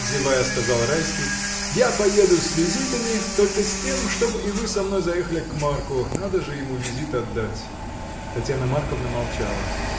— зевая, сказал Райский, — я поеду с визитами, только с тем, чтоб и вы со мной заехали к Марку: надо же ему визит отдать. Татьяна Марковна молчала.